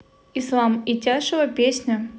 ислам итяшева песня